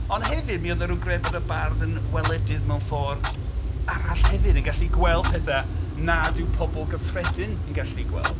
Ond hefyd mi oedd 'na gred bod y bardd yn weledydd mewn ffordd arall hefyd yn gallu gweld petha nad yw pobl gyffredin yn gallu gweld...